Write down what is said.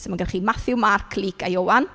So mae gennych chi Mathew, Marc, Luc a Ioan.